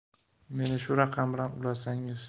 meni shu raqam bilan ulasangiz